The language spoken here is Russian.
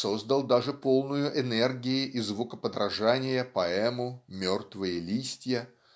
создал даже полную энергии и звукоподражания поэму "Мертвые листья"